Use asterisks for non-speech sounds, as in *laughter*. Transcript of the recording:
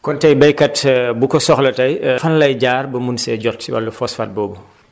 kon tey béykat *hesitation* bu ko soxla tey *hesitation* fan lay jaar ba mun see jot si wàllu phosphate boobu